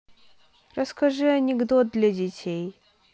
расскажи анекдот для детей